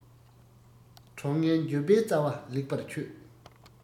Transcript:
གྲོགས ངན འགྱོད པའི རྩ བ ལེགས པར ཆོད